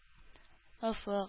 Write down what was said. Офык